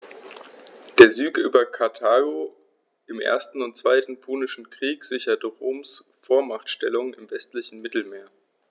Der Sieg über Karthago im 1. und 2. Punischen Krieg sicherte Roms Vormachtstellung im westlichen Mittelmeer.